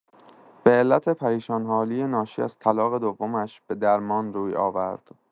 به‌علت پریشان‌حالی ناشی از طلاق دومش به درمان روی آورد.